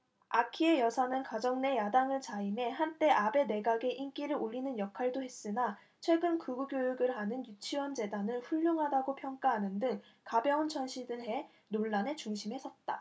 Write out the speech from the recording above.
아키에 여사는 가정 내 야당을 자임해 한때 아베 내각의 인기를 올리는 역할도 했으나 최근 극우교육을 하는 유치원재단을 훌륭하다고 평가하는 등 가벼운 처신을 해 논란의 중심에 섰다